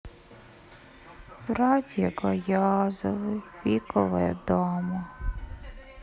братья гаязовы пиковая дама